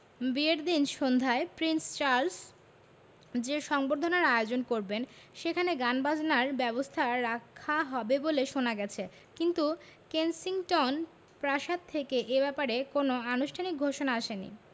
বিয়ের দিন সন্ধ্যায় প্রিন্স চার্লস যে সংবর্ধনার আয়োজন করবেন সেখানে গানবাজনার ব্যবস্থা রাখা হবে বলে শোনা গেছে কিন্তু কেনসিংটন প্রাসাদ থেকে এ ব্যাপারে কোনো আনুষ্ঠানিক ঘোষণা আসেনি